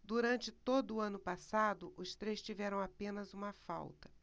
durante todo o ano passado os três tiveram apenas uma falta